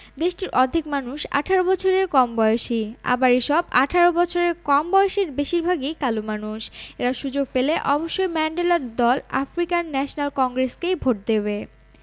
দেশটির অর্ধেক মানুষ ১৮ বছরের কম বয়সী আবার এসব ১৮ বছরের কম বয়সীর বেশির ভাগই কালো মানুষ এরা সুযোগ পেলে অবশ্যই ম্যান্ডেলার দল আফ্রিকান ন্যাশনাল কংগ্রেসকেই ভোট দেবে